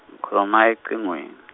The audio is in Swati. nkhuluma ecingweni .